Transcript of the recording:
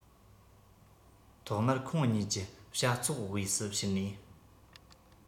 ཐོག མར ཁོང གཉིས ཀྱི བྱ ཚོགས དབུས སུ ཕྱིན ནས